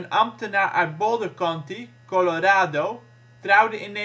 ambtenaar uit Boulder County, Colorado, trouwde in